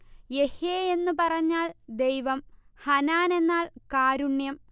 Yahweh എന്നു പറഞ്ഞാൽ ദൈവം, ഹനാൻ എന്നാൽ കാരുണ്യം